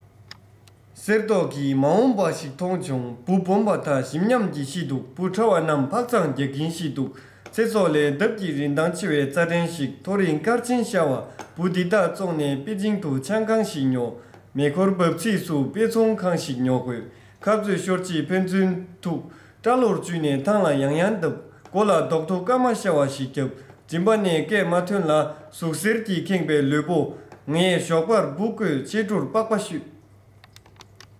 གསེར མདོག གི མ འོངས པ ཞིག མཐོང བྱུང འབུ སྦོམ པ དག ཞིམ ཉམས ཀྱིས ཤི འདུག འབུ ཕྲ བ རྣམས འཕག འཚག རྒྱག གིན ཤི འདུག ཚེ སྲོག ལས ལྡབ ཀྱིས རིན ཐང ཆེ བའི རྩྭ ཕྲན ཞིག ཐོ རངས སྐར ཆེན ཤར བ འབུ འདི དག བཙོངས ནས པེ ཅིན དུ ཆང ཁང ཞིག ཉོ མེ འཁོར འབབ ཚིགས སུ དཔེ ཚོང ཁང ཞིག ཉོ དགོས ཁ རྩོད ཤོར རྗེས ཕན ཚུན ཐུག སྐྲ ལོར འཇུས ནས ཐང ལ ཡང ཡང བརྡབས མགོ ལ རྡོག ཐོ སྐར མ ཤར བ ཞིག བརྒྱབ མགྲིན པ ནས སྐད མ ཐོན ལ ཟུག གཟེར གྱིས ཁེངས པའི ལུས པོ ངས ཞོགས པར འབུ བརྐོས ཕྱི དྲོར པགས པ བཤུས